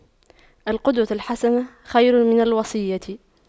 القدوة الحسنة خير من الوصية